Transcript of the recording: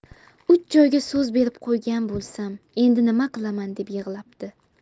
uch joyga so'z berib qo'ygan bo'lsam endi nima qilaman deb yig'labdi